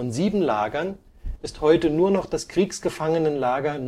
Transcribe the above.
sieben Lagern ist heute nur noch das Kriegsgefangenenlager